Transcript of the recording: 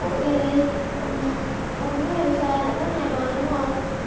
ủa che ri công chúa eo sa là tết hai bên đúng không